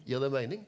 gir det mening?